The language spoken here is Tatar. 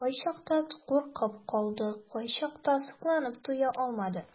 Кайчакта куркып калды, кайчакта сокланып туя алмады.